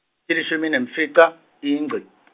tilishumi nemfica, iNgci .